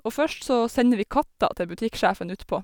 Og først så sender vi katta til butikksjefen utpå.